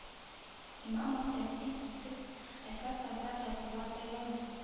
Имам-мөхтәсиб итеп әлфәс хәзрәт гайфулла сайланды